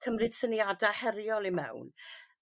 Cymryd syniada heriol i mewn.